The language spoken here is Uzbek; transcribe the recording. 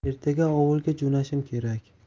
ertaga ovulga jo'nashim kerak